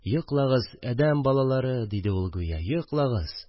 «йоклагыз, әдәм балалары, – диде ул гүя, – йоклагыз